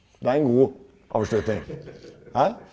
det er en god avslutning, hæ?